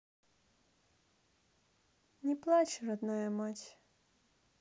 не плачь родная мать